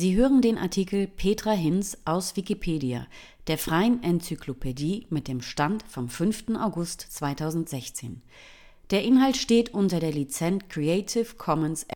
hören den Artikel Petra Hinz, aus Wikipedia, der freien Enzyklopädie. Mit dem Stand vom Der Inhalt steht unter der Lizenz Creative Commons